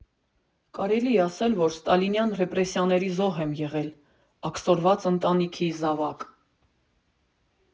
Կարելի է ասել, որ ես Ստալինյան ռեպրեսիաների զոհ եմ եղել՝ աքսորված ընտանիքի զավակ։